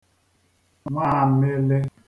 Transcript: nwaamị̄lị̄